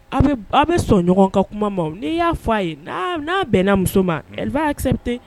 A bɛ ba bɛ sɔn ɲɔgɔn ka kuma ma n'i y'a fɔ' a ye n'a bɛnna muso ma alikisɛ bɛ ten